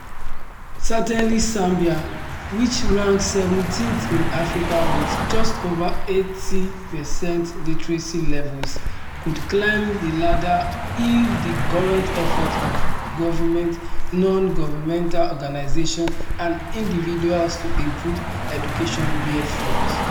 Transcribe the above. Certainly Zambia, which ranks 17th in Africa with just over 80 percent literacy levels, could climb the ladder if the current efforts of government, non-governmental organisations and individuals to improve education bear fruit.